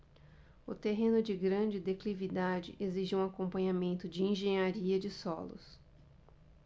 o terreno de grande declividade exige um acompanhamento de engenharia de solos